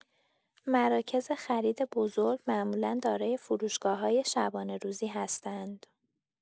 مراکز خرید بزرگ معمولا دارای فروشگاه‌های شبانه‌روزی هستند.